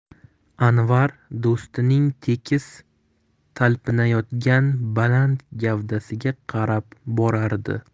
anvar do'stining tekis talpinayotgan baland gavdasiga qarab borardi